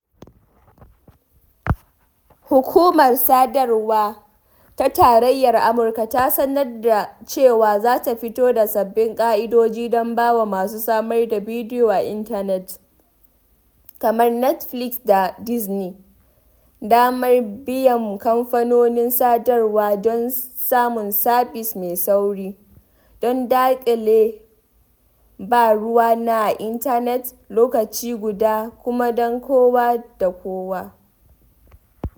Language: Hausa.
Hukumar Sadarwa ta Tarayyar Amurka ta sanar da cewa zata fito da sabbin ƙa’idoji don bawa masu samar da bidiyo a intanet, kamar Netflix da Disney, damar biyan kamfanonin sadarwa don samun sabis mai sauri, don daƙile ba ruwana a intanet lokaci guda kuma don kowa da kowa.